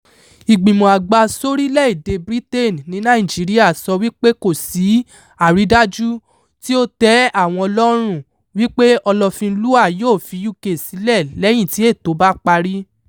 Ìgbìmọ̀ Àgbà Sórílẹ̀-èdè Britain ní Nàìjíríà sọ wípé àwọn kò “sí àrídájú” tí ó tẹ̀ àwọn lọ́rùn wípé Ọlọ́finlúà yóò fi UK sílẹ̀ lẹ́yìn tí ètó bá parí.